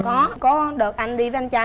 có có được anh đi với anh trai